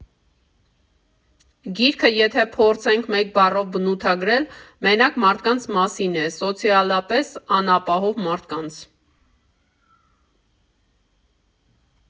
Գիրքը, եթե փորձենք մեկ բառով բնութագրել, մենակ մարդկանց մասին է, սոցիալապես անապահով մարդկանց։